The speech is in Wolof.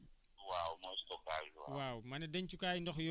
waaw ma ne léegi dugg nga si wàllu façon ni ñuy dencee ndox